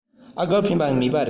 ཨ སྒོར ཕན པ མེད པ རེད